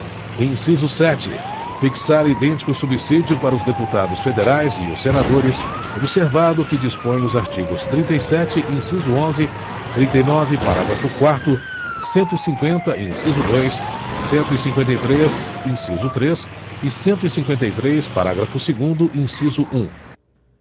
inciso sete fixar idêntico subsídio para os deputados federais e os senadores observado o que dispõem os artigos trinta e sete inciso onze trinta e nove parágrafo quarto cento e cinquenta inciso dois cento e cinquenta e três inciso três e cento e cinquenta e três parágrafo segundo inciso um